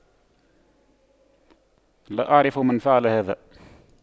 لا اعرف من فعل هذا